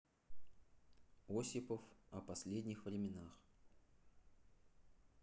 осипов о последних временах